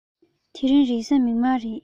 དེ རིང གཟའ མིག དམར རེད